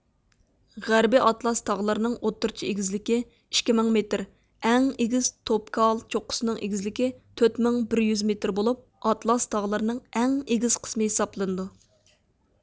غەربىي ئاتلاس تاغلىرىنىڭ ئوتتۇرىچە ئېگىزلىكى ئىككى مىڭ مېتر ئەڭ ئېگىز توبكال چوققىسىنىڭ ئېگىزلىكى تۆت مىڭ بىر يۈز مېتر بولۇپ ئاتلاس تاغلىرىنىڭ ئەڭ ئېگىز قىسمى ھېسابلىنىدۇ